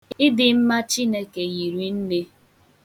Ịdị mma Chineke hiri nne.